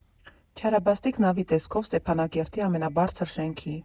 Չարաբաստիկ նավի տեսքով Ստեփանակերտի ամենաբարձր շենքի։